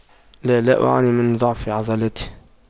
لا لا أعاني من ضعف في عضلاتي